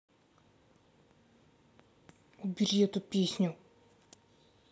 убери эту песню